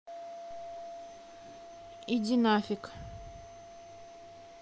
иди нафиг